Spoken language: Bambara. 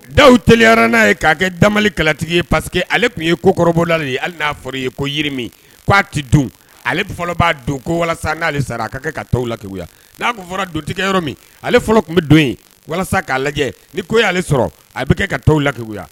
Dawu teliyara n'a ye k'a kɛ dakalatigi ye paseke ale tun ye kokɔrɔbabɔla de ye hali n'a fɔra ye ko yirimi k' a tɛ dun ale fɔlɔ b'a don ko walasa n'ale sara ka kɛ ka tɔw lakiya n'a fɔra dontigɛ yɔrɔ min ale fɔlɔ tun bɛ don yen walasa k'a lajɛ ni ko y'ale sɔrɔ a bɛ kɛ ka tɔw lakiya